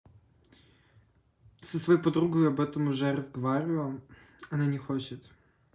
со своей подругой об этом уже разговаривала она не хочет